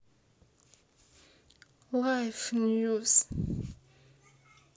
лайф ньюз